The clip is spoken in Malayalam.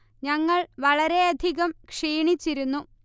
ഞങ്ങൾ വളരെയധികം ക്ഷീണിച്ചിരുന്നു